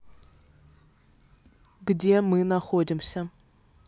где мы находимся